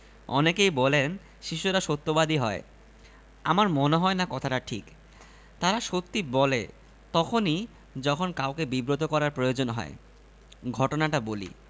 তুর্গেনিভের মত বড় উপন্যাসিকের জন্ম হল না এই নিয়ে কথা হচ্ছে এমন সময় তাঁর ছোট মেয়েটি হঠাৎ কথা বলল চাচা আম্মু না আপনাকে ছাগল ডাকে